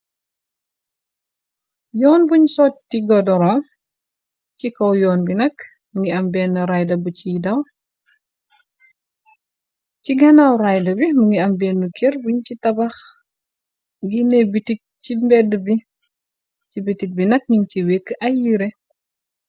yoon buñ sotti godora ci kaw yoon bi nak mungi am bénn rida bu ciy daw ci genaaw rida bi mungi am bénnu ker buñ ci tabax nginé bitig ci mbédd bi ci bitik bi nak nin ci wékk ay yire.